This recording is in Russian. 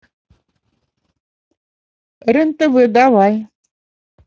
рен тв давай